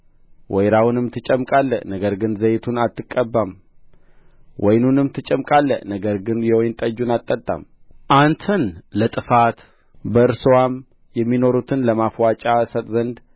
ወይራውንም ትጨምቃለህ ነገር ግን ዘይቱን አትቀባም ወይኑንም ትጨምቃለህ ነገር ግን የወይን ጠጁን አትጠጣም አንተን ለጥፋት በእርስዋም የሚኖሩትን ለማፍዋጫ እሰጥ ዘንድ